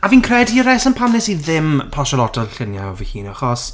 A fi'n credu y rheswm pam wnes i ddim postio lot o lluniau o fy hun achos...